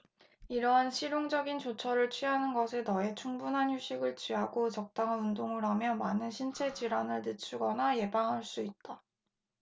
이러한 실용적인 조처를 취하는 것에 더해 충분한 휴식을 취하고 적당한 운동을 하면 많은 신체 질환을 늦추거나 예방할 수 있다